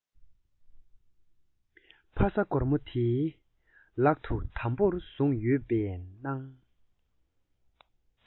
ཕ ས གོར མོ དེའི ལག ཏུ དམ པོར བཟུང ཡོད པའི སྣང བ བྱུང